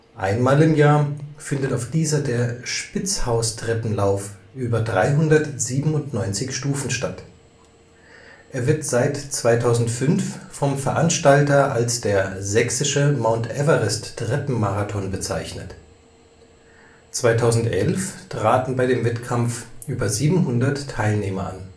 Einmal im Jahr findet auf dieser der Spitzhaustreppenlauf über 397 Stufen statt. Er wird seit 2005 vom Veranstalter als der Sächsische Mt. Everest Treppenmarathon bezeichnet. 2011 traten bei dem Wettkampf über 700 Teilnehmer an